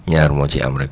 ñaar moo ciy am rek